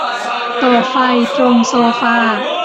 เปิดไฟตรงโซฟา